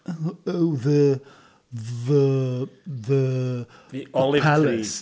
Oh, the the the... The Olive Tree... The Palace.